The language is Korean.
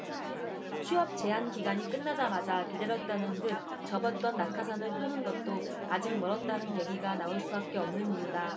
취업제한 기간이 끝나자마자 기다렸다는 듯 접었던 낙하산을 펴는 것도 아직 멀었다는 얘기가 나올 수밖에 없는 이유다